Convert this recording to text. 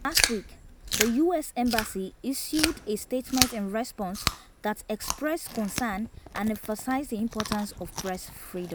Last week, the U.S. Embassy issued a statement in response that expressed concern and emphasized the importance of press freedom.